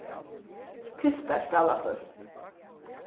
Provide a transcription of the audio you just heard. piltar spæla bólt